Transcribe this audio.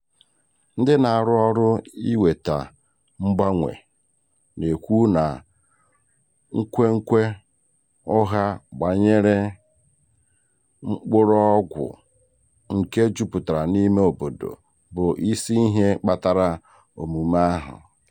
Ndị na-arụ ọrụ iweta mgbanwe na-ekwu na nkwenkwe ụgha gbanyere mkpọrọgwụ nke jupụtara n'ime obodo bụ isi ihe kpatara omume ahụ.